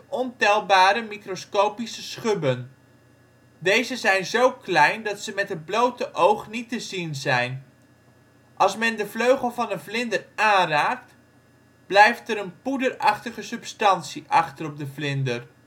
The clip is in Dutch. ontelbare microscopische schubben. Deze zijn zo klein dat ze met het blote oog niet te zien zijn; als men de vleugel van een vlinder aanraakt, blijft er een poederachtige substantie achter op de vinger. De